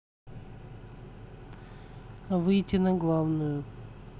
выйти на главную